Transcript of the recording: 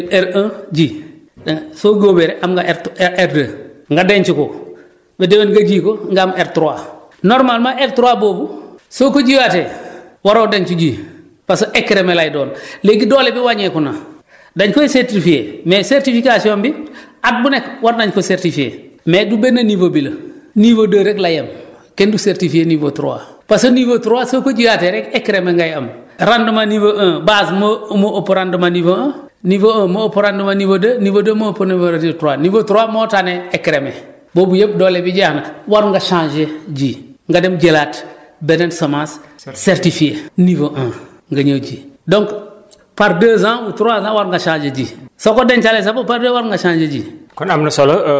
yow nga jënd jël R1 ji soo góobee rek am nga R R2 nga denc ko ba déwen nga ji ko nga am R3 normalement R3 boobu soo ko jiyaatee waroo denc ji parce écrémé lay doon léegi doole bi wàññeeku na dañ koy certifié mais certification bi at bu nekk war nañu ko certifié mais du benn niveau bi la niveau 2 rek la yem kenn du certifié niveau 3 parce que niveau 3 soo ko jiyaatee rek écrémé ngay am rendement niveau 1 base moo ëpp rendement niveau 1 niveau 1 moo ëpp rendement niveau 2 niveau 2 moo ëpp niveau 3 niveau 3 moo tane écrémé boobu yëpp doole bi jeex na war nga changé ji nga dem jëlaat beneen semence certifiée niveau 1 nga ñëw ji donc par 2 ans ou 3 ans war nga changé ji soo ko dencee rek ça ne veut pas dire war ngaa changé ji